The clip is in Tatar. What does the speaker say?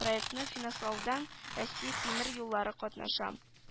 Проектны финанслауда россия тимер юллары катнаша